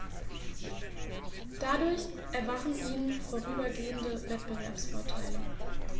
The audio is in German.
Dadurch erwachsen ihnen vorübergehend Wettbewerbsvorteile.